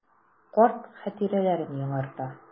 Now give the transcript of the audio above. Карт хатирәләрен яңарта.